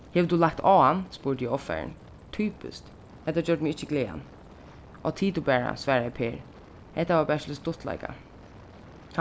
hevur tú lagt á hann spurdi eg ovfarin typiskt hetta gjørdi meg ikki glaðan áh tig tú bara svaraði per hetta var bert til stuttleika